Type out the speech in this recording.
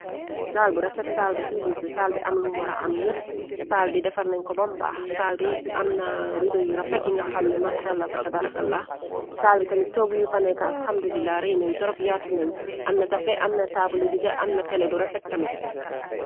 Saal bu refet-saal bu ci lise saal bi amlum wara am yépp saal bi defar nañ ko bombaax saal bi am na rido yi refet yi nga xamne marshalla fa ta barakala saal bi tamit toogu yi faneekaal xamdo dila reyneñ torop yaatu nañ amna tappe am na taabuli diga am na tele bu refet tamit.